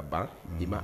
Ka ba di ma